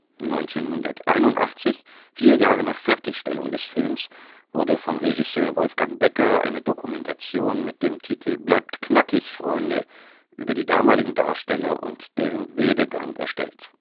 1981, vier Jahre nach Fertigstellung des Films, wurde von Regisseur Wolfgang Becker eine Dokumentation mit dem Titel Bleibt knackig, Freunde! über die damaligen Darsteller und deren Werdegang erstellt